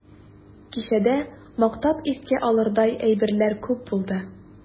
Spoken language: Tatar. Кичәдә мактап искә алырдай әйберләр күп булды.